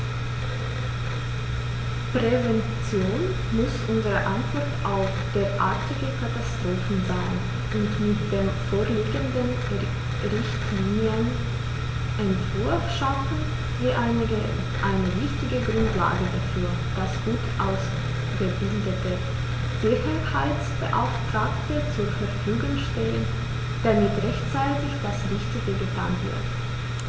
Prävention muss unsere Antwort auf derartige Katastrophen sein, und mit dem vorliegenden Richtlinienentwurf schaffen wir eine wichtige Grundlage dafür, dass gut ausgebildete Sicherheitsbeauftragte zur Verfügung stehen, damit rechtzeitig das Richtige getan wird.